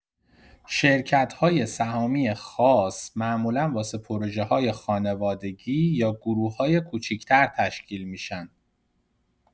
شرکت‌های سهامی خاص معمولا واسه پروژه‌های خانوادگی یا گروه‌های کوچیک‌تر تشکیل می‌شن.